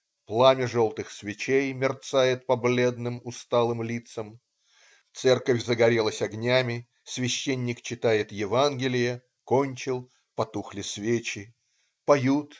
Пламя желтых свечей мерцает по бледным, усталым лицам. Церковь загорелась огнями. Священник читает Евангелие. Кончил - потухли свечи. Поют.